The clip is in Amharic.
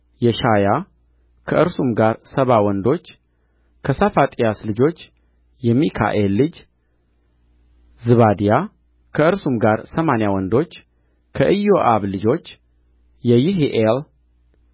የሻያ ከእርሱም ጋር ሰባ ወንዶች የሰፋጥያስ ልጆች የሚካኤል ልጅ ዝባድያ ከእርሱም ጋር ሰማንያ ወንዶች ከኢዮአብ ልጆች የይሒኤል